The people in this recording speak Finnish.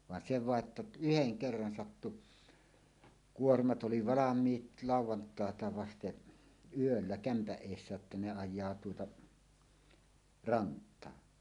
vaan se vain että yhden kerran sattui kuormat oli valmiit lauantaita vasten yöllä kämpän edessä jotta ne ajaa tuota rantaa